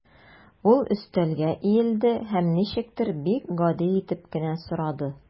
Ул өстәлгә иелде һәм ничектер бик гади итеп кенә сорады.